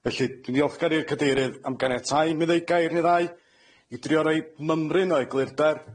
Felly dwi'n ddiolchgar i'r Cadeirydd am ganiatáu imi ddeu' gair i ddau, i drio roid mymryn o eglurder.